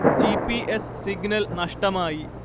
G P S signal നഷ്ടമായി